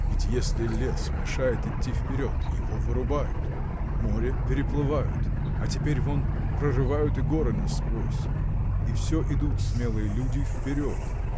— Ведь если лес мешает идти вперед, его вырубают, море переплывают, а теперь вон прорывают и горы насквозь, и всё идут смелые люди вперед!